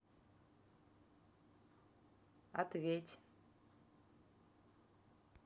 ответь